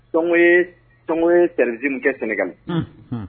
Gogo ye tz kɛ sɛnɛ